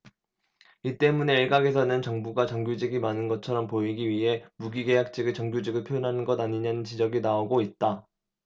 이 때문에 일각에서는 정부가 정규직이 많은 것처럼 보이기 위해 무기계약직을 정규직으로 표현하는 것 아니냐는 지적이 나오고 있다